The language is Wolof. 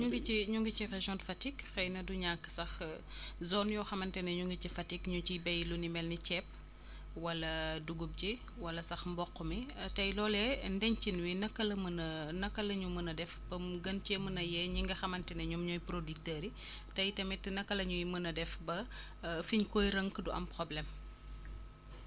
ñu ngi ci ñu ngi ci région de Fatick xëy na du ñàkk sax zone yoo xamante ni ñu ngi ci Fatick ñu ciy béy lu ni mel ni ceeb wala dugub ji wala sax mboq mi tey loolee ndencin wi naka la ko mën a laka la ñu mën a def ba mu gën cee mën a yee ñi nga xamante ne ñoom ñooy producteur yi tey tamit naka la ñuy mën a def ba fi ñu koy rënk du am problème